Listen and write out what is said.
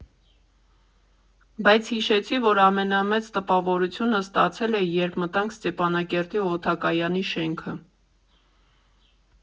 Բայց հիշեցի, որ ամենամեծ տպավորությունը ստացել էի, երբ մտանք Ստեփանակերտի օդակայանի շենքը։